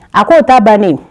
A'o ta bannen